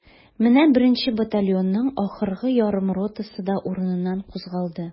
Менә беренче батальонның ахыргы ярым ротасы да урыныннан кузгалды.